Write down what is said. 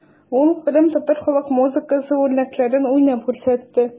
Ул кырымтатар халык музыкасы үрнәкләрен уйнап күрсәтте.